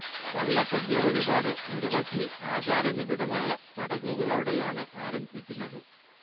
വള്ളസദ്യ വഴിപാട് നിരവധി ആചാര നിബിഡമായ ചടങ്ങുകളോടെയാണ് ആരംഭിക്കുന്നത്